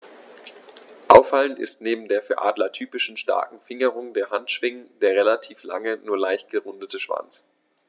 Auffallend ist neben der für Adler typischen starken Fingerung der Handschwingen der relativ lange, nur leicht gerundete Schwanz.